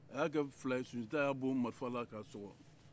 a y'a kɛ fila ye sunjata y'a bon marifa la k'a sɔgɔ